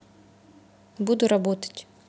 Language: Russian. буду работать